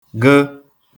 gə̣